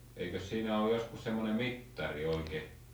eikös siinä ole joskus semmoinen mittari oikein